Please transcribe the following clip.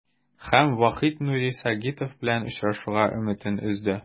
Һәм Вахит Нури Сагитов белән очрашуга өметен өзде.